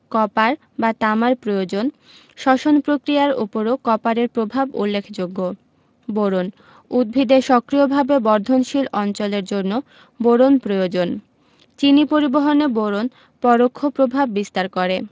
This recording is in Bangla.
কপার বা তামার প্রয়োজন শ্বসন পক্রিয়ার উপরও কপারের প্রভাব উল্লেখযোগ্য বোরন উদ্ভিদের সক্রিয়ভাবে বর্ধনশীল অঞ্চলের জন্য বোরন প্রয়োজন চিনি পরিবহনে বোরন পরোক্ষ প্রভাব বিস্তার করে